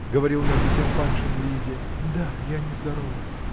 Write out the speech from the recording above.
-- говорил между тем Паншин Лизе. -- Да, я нездорова.